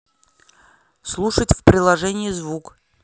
слушать в приложении звук